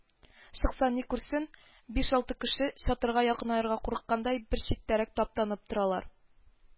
Чыкса, ни күрсен, биш-алты кеше, чатырга якынаерга курыккандай, бер читтәрәк таптанып торалар